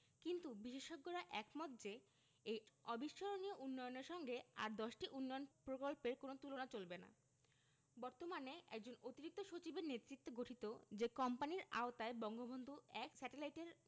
কিন্তু বিশেষজ্ঞরা একমত যে এই অবিস্মরণীয় উন্নয়নের সঙ্গে আর দশটি উন্নয়ন প্রকল্পের কোনো তুলনা চলবে না বর্তমানে একজন অতিরিক্ত সচিবের নেতৃত্বে গঠিত যে কোম্পানির আওতায় বঙ্গবন্ধু ১ স্যাটেলাইট এর